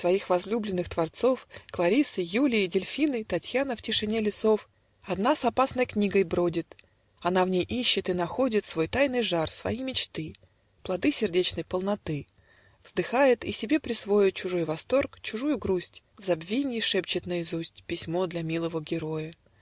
Своих возлюбленных творцов, Кларисой, Юлией, Дельфиной, Татьяна в тишине лесов Одна с опасной книгой бродит, Она в ней ищет и находит Свой тайный жар, свои мечты, Плоды сердечной полноты, Вздыхает и, себе присвоя Чужой восторг, чужую грусть, В забвенье шепчет наизусть Письмо для милого героя.